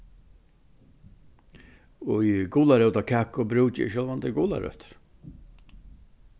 í gularótakaku brúki eg sjálvandi gularøtur